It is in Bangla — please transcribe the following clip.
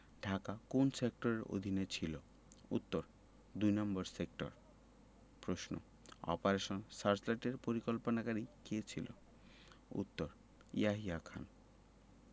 ঢাকা কোন সেক্টরের অধীনে ছিলো উত্তর দুই নম্বর সেক্টর প্রশ্ন অপারেশন সার্চলাইটের পরিকল্পনাকারী কে ছিল উত্তর ইয়াহিয়া খান